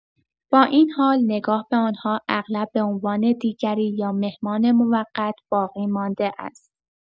با این حال، نگاه به آن‌ها اغلب به‌عنوان «دیگری» یا «مهمان موقت» باقی‌مانده است.